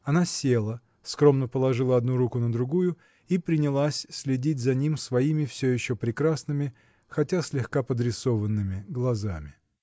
она села, скромно положила одну руку на другую и принялась следить за ним своими все еще прекрасными, хотя слегка подрисованными, глазами.